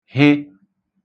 hị